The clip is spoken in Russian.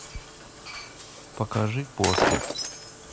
покажи после